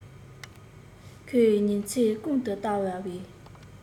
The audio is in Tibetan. ཁོས ཉིན མཚན ཀུན ཏུ ལྟ བའི